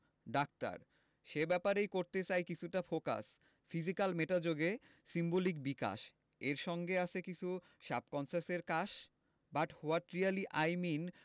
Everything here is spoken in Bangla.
ডাক্তার সে ব্যাপারেই করতে চাই কিছুটা ফোকাস ফিজিক্যাল মেটা যোগে সিম্বলিক বিকাশ এর সঙ্গে আছে কিছু সাবকন্সাসের কাশ but what really I mean